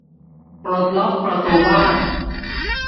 ปลดล็อกประตูบ้าน